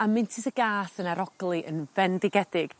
a mintys y gath yn arogli yn fendigedig